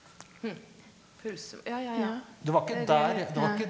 ja ja ja eller.